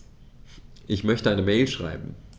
Ich möchte eine Mail schreiben.